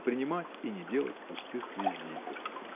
не принимать и не делать пустых визитов.